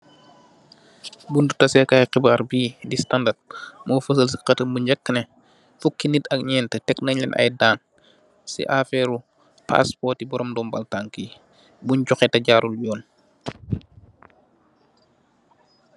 Buntu tasee KAAY xibaar bii,"The Standard", moo fësal si xätäm bu ñeka ne ,fuki nit ak ñentë tec nañ leen daan, si paaspoori, borom nombaal tankë yi, buñ joxe të jaarut Yoon.